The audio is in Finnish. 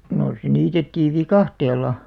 no se niitettiin viikatteella